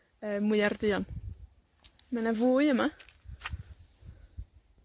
yy, mwyar duon. Ma' 'na fwy yma.